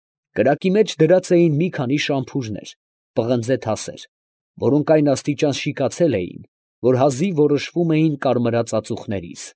Կրակի մեջ դրած էին մի քանի շամփուրներ և պղնձե թասեր, որոնք այն աստիճան շիկացել էին, որ հազիվ որոշվում էին կարմրած ածուխներից։